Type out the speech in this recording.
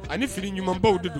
Ani siri ɲumanbaw de don